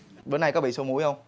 bữa nay có bị sổ mũi không